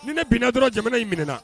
Ni ne binina dɔrɔn jamana in minɛɛna